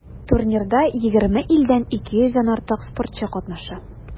Турнирда 20 илдән 200 дән артык спортчы катнаша.